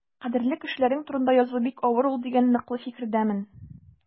Кадерле кешеләрең турында язу бик авыр ул дигән ныклы фикердәмен.